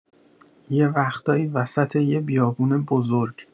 یه وقتایی وسط یه بیابون بزرگ